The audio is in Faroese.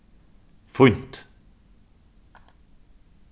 fínt